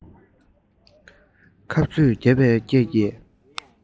ཁ རྩོད བརྒྱབ པའི སྐད ཀྱིས